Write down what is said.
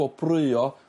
gwobrwyo